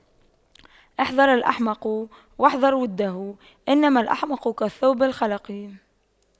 احذر الأحمق واحذر وُدَّهُ إنما الأحمق كالثوب الْخَلَق